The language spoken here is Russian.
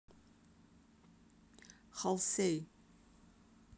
halsey